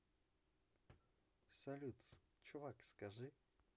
салют чувак скажи